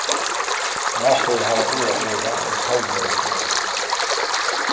matstovur hava úr at gera og hotellini eru full